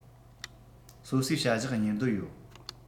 སོ སོས བྱ གཞག གཉེར འདོད ཡོད